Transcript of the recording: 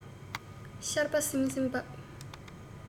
ཆར པ བསིམ བསིམ འབབས